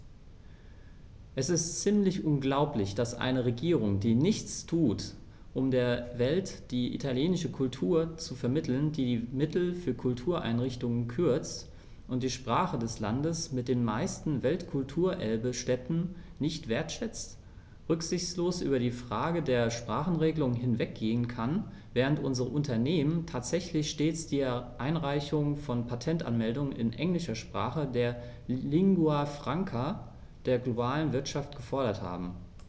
Es ist ziemlich unglaublich, dass eine Regierung, die nichts tut, um der Welt die italienische Kultur zu vermitteln, die die Mittel für Kultureinrichtungen kürzt und die Sprache des Landes mit den meisten Weltkulturerbe-Stätten nicht wertschätzt, rücksichtslos über die Frage der Sprachenregelung hinweggehen kann, während unsere Unternehmen tatsächlich stets die Einreichung von Patentanmeldungen in englischer Sprache, der Lingua Franca der globalen Wirtschaft, gefordert haben.